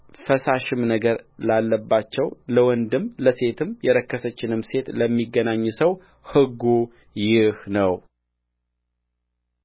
ፈሳሽም ነገር ላለባቸው ለወንድም ለሴትም የረከሰችንም ሴት ለሚገናኝ ሰው ሕጉ ይኸው ነው